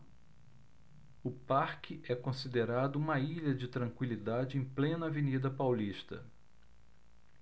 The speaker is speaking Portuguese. o parque é considerado uma ilha de tranquilidade em plena avenida paulista